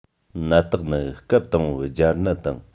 ནད རྟགས ནི སྐབས དང པོའི སྦྱར ནད དང